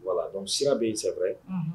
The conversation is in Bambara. Voilà donc sira be ye c'est vrai unhun